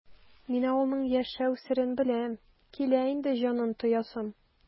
Мин авылның яшәү серен беләм, килә инде җанын тоясым!